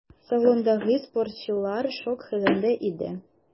Салондагы спортчылар шок хәлендә иде.